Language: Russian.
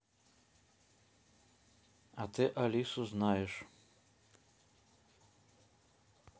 а ты алису знаешь